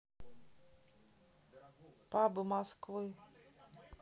пабы москвы